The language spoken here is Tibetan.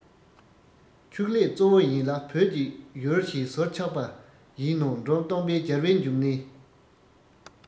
ཕྱུགས ལས གཙོ བོ ཡིན ལ བོད ཀྱི ཡུལ ཞེས ཟུར ཆག པ ཡིན ནོ འབྲོམ སྟོན པའི རྒྱལ བའི འབྱུང གནས